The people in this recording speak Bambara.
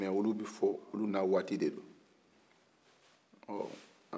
mais olu bi fɔ n'a waati de don